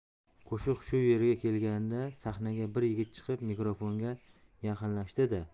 qo'shiq shu yerga kelganida sahnaga bir yigit chiqib mikrofonga yaqinlashdi da